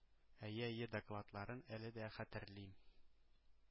Әйе, әйе, докладларын, әле дә хәтерлим.